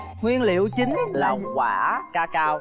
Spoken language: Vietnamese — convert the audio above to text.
nguyên liệu chính là quả ca cao